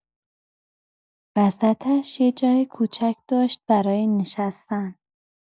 وسطش یه جای کوچیک داشت برای نشستن.